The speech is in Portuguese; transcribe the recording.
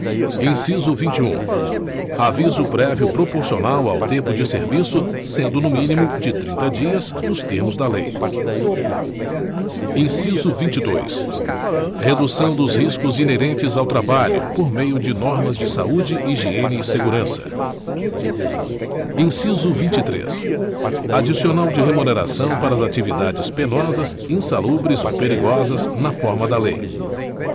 inciso vinte e um aviso prévio proporcional ao tempo de serviço sendo no mínimo de trinta dias nos termos da lei inciso vinte e dois redução dos riscos inerentes ao trabalho por meio de normas de saúde higiene e segurança inciso vinte e três adicional de remuneração para as atividades penosas insalubres ou perigosas na forma da lei